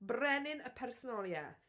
Brenin y personoliaeth.